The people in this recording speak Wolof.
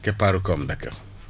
keppaaru koom d' accord